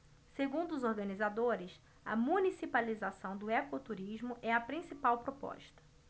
segundo os organizadores a municipalização do ecoturismo é a principal proposta